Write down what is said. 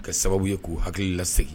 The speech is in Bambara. Ka sababu ye k'u hakili lasegin